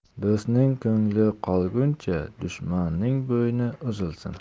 do'stning ko'ngli qolguncha dushmanning bo'yni uzilsin